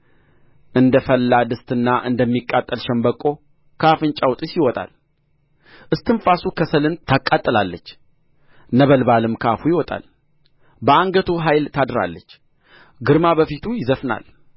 እንደ ፈላ ድስትና እንደሚቃጠል ሸምበቆ ከአንፍንጫው ጢስ ይወጣል እስትንፋሱ ከሰልን ታቃጥላለች ነበልባልም ከአፉ ይወጣል በአንገቱ ኃይል ታድራለች ግርማ በፊቱ ይዘፍናል